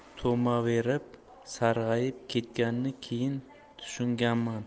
tomaverib sarg'ayib ketganini keyin tushunganman